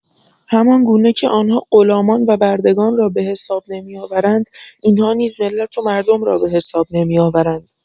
همانگونه که آنها غلامان وبردگان را بحساب نمی‌آوردند این‌ها نیز ملت ومردم را بحساب نمی‌آورند.